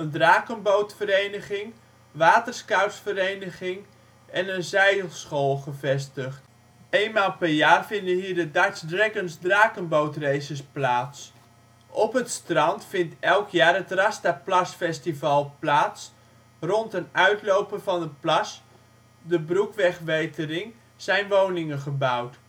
drakenbootvereniging, waterscoutsvereniging en een zeilschool gevestigd. Eenmaal per jaar vinden hier de Dutch Dragons-drakenbootraces plaats. Op het strand vindt elk jaar het Rastaplasfestival plaats. Rond een uitloper van de plas, de Broekwegwetering zijn woningen gebouwd